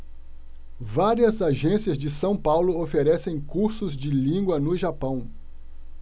várias agências de são paulo oferecem cursos de língua no japão